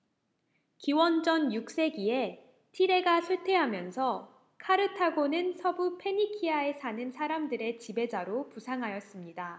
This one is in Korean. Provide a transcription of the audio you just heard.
기원전 육 세기에 티레가 쇠퇴하면서 카르타고는 서부 페니키아에 사는 사람들의 지배자로 부상하였습니다